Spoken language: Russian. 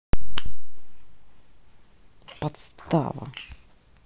подстава